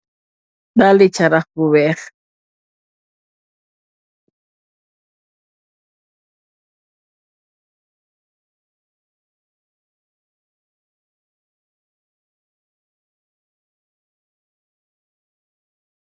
Dalli charrack bou weck